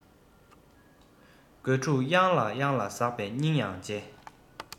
རྒོད ཕྲུག གཡང ལ གཡང ལ ཟགས པ སྙིང ཡང རྗེ